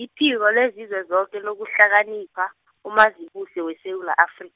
iphiko leliZweloke lokuhlakanipha, uMazibuse weSewula Afri-.